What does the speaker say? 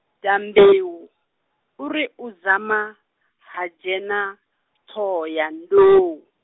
dundelo uri u dzama, ha tshena, tondiwa ndayo.